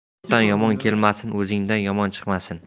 yotdan yomon kelmasin o'zingdan yomon chiqmasin